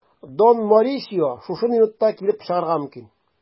Дон Морисио шушы минутта килеп чыгарга мөмкин.